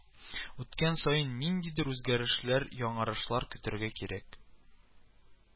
Үткән саен ниндидер үзгәрешләр, яңарышлар көтәргә кирәк